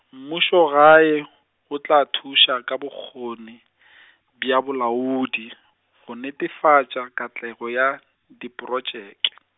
mmušogae, o tla thuša ka bokgoni , bja bolaodi , go netefatša katlego ya, diprotšeke.